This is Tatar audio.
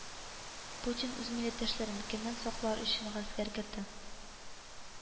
Путин үз милләттәшләрен кемнән саклар өчен гаскәр кертә